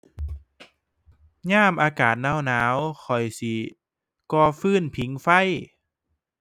ยามอากาศหนาวหนาว ข้อยสิก่อฟืนผิงไฟ